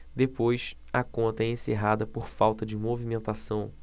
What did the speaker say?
depois a conta é encerrada por falta de movimentação